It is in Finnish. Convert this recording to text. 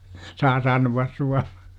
saa sanoa -